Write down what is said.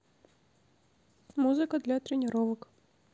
музыка для тренировок